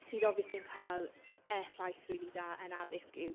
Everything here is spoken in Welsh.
sydd obviously yn cael effaith rili da yn addysg uwch.